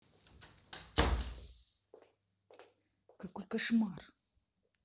какой кошмар